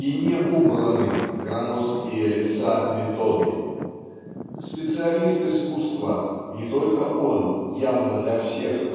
и не убраны громоздкие леса методы. Специалист искусства не только он явно для всех